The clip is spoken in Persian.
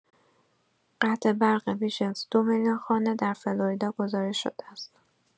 قطع برق بیش از ۲ میلیون خانه در فلوریدا گزارش شده است.